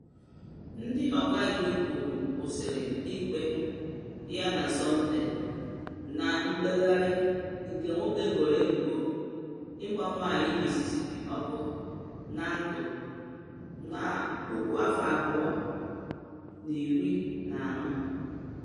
Ndị ọkaikpe kwụsịrị ikpe ya na Satọde na mkpegharị nke nwoke eboro ebubo ịgba nwanyị Mississipi ọkụ na ndụ na 2014.